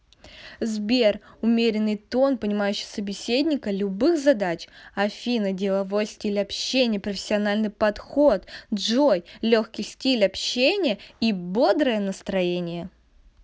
сбер умеренный тон понимающий собеседника любых задач афина деловой стиль общения профессиональный подход джой легкий стиль общения и бодрое настроение